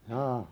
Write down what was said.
jaa